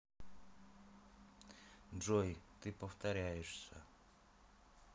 джой ты повторяешься